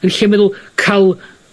yn lle meddwl ca'l